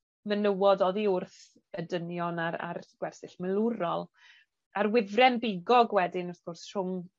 menywod oddi wrth y dynion a'r a'r gwersyll milwrol. A'r wyfren bigog wedyn wrth gwrs rhwng